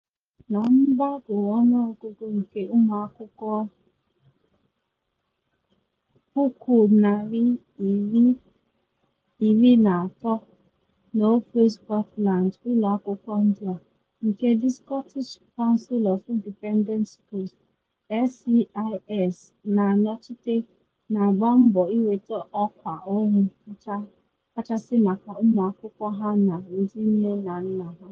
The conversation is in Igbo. Na mgbago ọnụọgụ nke ụmụ akwụkwọ 30,000 n’ofe Scotland, ụlọ akwụkwọ ndị a, nke The Scottish Council of Independent Schools (SCIS) na anọchite, na agba mbọ iwete ọkwa ọrụ kachasị maka ụmụ akwụkwọ ha na ndị nne na nna ha.